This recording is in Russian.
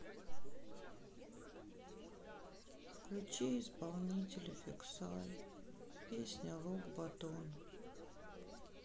включи исполнителя фиксай песня лук батун